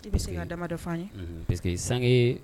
I bɛ se ka damadɔ f'an ye? Unhun puisque sange